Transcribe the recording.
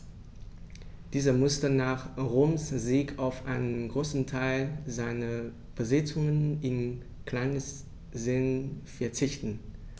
Dieser musste nach Roms Sieg auf einen Großteil seiner Besitzungen in Kleinasien verzichten.